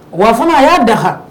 Wa fana a y'a daha